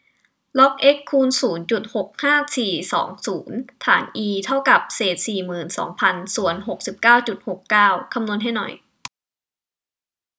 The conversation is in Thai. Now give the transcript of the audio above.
ล็อกเอ็กซ์คูณศูนย์จุดหกห้าสี่สองศูนย์ฐานอีเท่ากับเศษสี่หมื่นสองพันส่วนหกสิบเก้าจุดหกเก้าคำนวณให้หน่อย